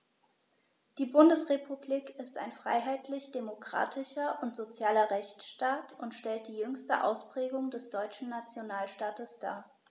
Die Bundesrepublik ist ein freiheitlich-demokratischer und sozialer Rechtsstaat und stellt die jüngste Ausprägung des deutschen Nationalstaates dar.